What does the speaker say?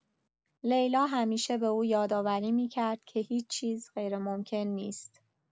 لیلا همیشه به او یادآوری می‌کرد که هیچ‌چیز غیرممکن نیست.